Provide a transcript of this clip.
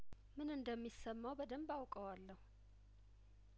ምን እንደሚሰማው በደንብ አውቀዋለሁ